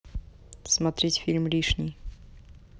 смотреть фильм лишний